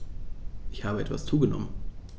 Ich habe etwas zugenommen